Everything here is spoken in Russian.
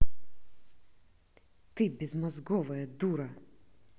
ты безмозговая дура